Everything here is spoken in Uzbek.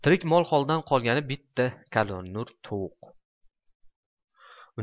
tirik mol holdan qolgani bitta kalonnur tovuq